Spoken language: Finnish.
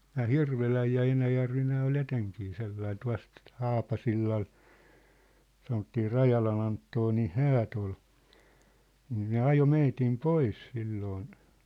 nämä Hirvelä ja Enäjärvi nämä oli etenkin sellainen tuosta Haapasillalla sanottiin Rajalan Anttonin häät oli niin ne ajoi meidät pois silloin